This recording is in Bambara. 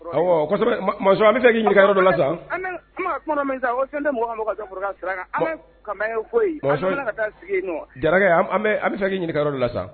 Ɔ bɛ' la bɛ se' ɲininkayɔrɔ la